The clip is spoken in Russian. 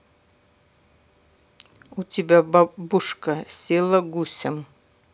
у тебя бабушка села гусям